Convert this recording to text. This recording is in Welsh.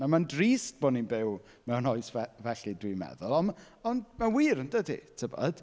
Nawr mae'n drist bod ni'n byw mewn oes fe- felly dwi'n meddwl ond ma' ond ma'n wir yn dydi tibod.